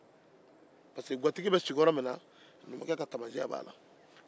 pariseke gatigi bɛ sigi yɔrɔ min na numukɛ ka taamasiyɛn b'o la